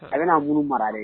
A bɛna'a bolo maralen ye